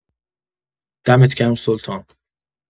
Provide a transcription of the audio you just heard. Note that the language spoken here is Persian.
دمت گرم سلطان